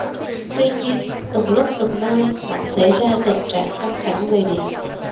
tuy nhiên từng lúc từng nơi vẫn xảy ra tình trạng căng thẳng về điện